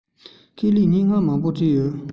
ཁས ལེན སྙན ངག མང པོ བྲིས ཡོད